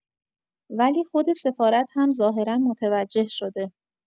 ولی خود سفارت هم ظاهرا متوجه شده.